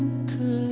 cười